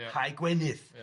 ...hau gwenith... Ia.